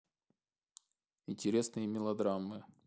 интересные мелодрамы